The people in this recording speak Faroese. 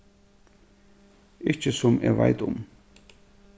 ikki sum eg veit um